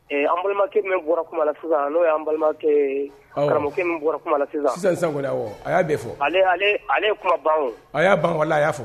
An balimakɛ min bɔra kuma la n'o balimakɛ min bɔra kumalafin sisan sa a y'a bɛ fɔ ale kuma ban a y'a banla a y'a fɔ